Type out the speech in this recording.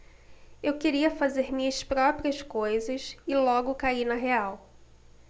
eu queria fazer minhas próprias coisas e logo caí na real